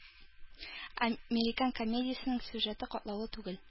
«американ» комедиясенең сюжеты катлаулы түгел.